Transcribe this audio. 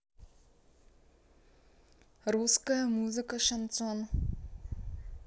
русская музыка шансон